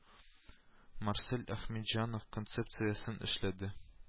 Марсель Әхмәтҗанов концепциясен эшләде